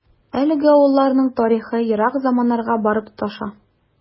Әлеге авылларның тарихы ерак заманнарга барып тоташа.